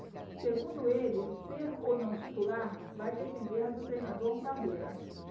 segundo ele ser ou não titular vai depender do treinador parreira